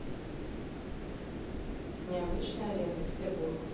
необычная аренда петербург